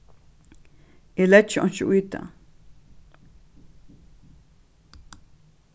eg leggi einki í tað